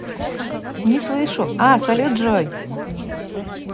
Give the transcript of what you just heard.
не слышу а салют джой